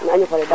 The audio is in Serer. a ñofale daal